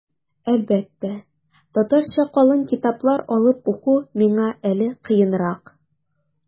Әлбәттә, татарча калын китаплар алып уку миңа әле кыенрак.